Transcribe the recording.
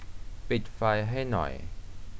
ปิดไฟให้หน่อย